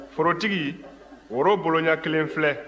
forotigi woro boloɲɛ kelen filɛ